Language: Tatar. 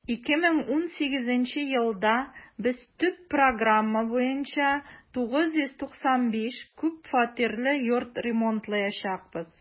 2018 елда без төп программа буенча 995 күп фатирлы йорт ремонтлаячакбыз.